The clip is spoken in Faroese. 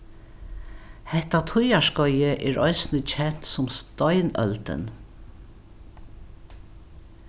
hetta tíðarskeiðið er eisini kent sum steinøldin